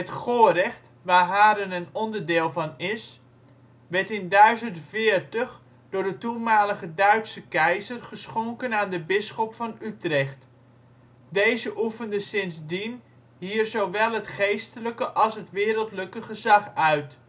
Gorecht, waar Haren een onderdeel van is, werd in 1040 door de toenmalige Duitse keizer geschonken aan de bisschop van Utrecht. Deze oefende sindsdien hier zowel het geestelijke als het wereldlijke gezag uit